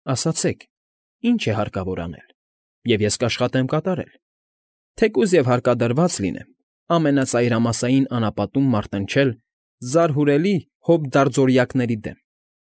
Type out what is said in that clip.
Ասացեք, ի՞նչ է հարկավոր անել, և ես կաշխատեմ կատարել, թեկուզ հարկադրված լինեմ Ամենածայրամասային Անապատում մարտնչել զարհուրելի հոբդարձորյակների դեմ։